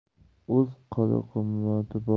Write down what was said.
o'z qadr qimmati bor